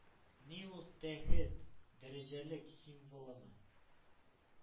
Ни ул тәхет? Дәрәҗәлек символымы?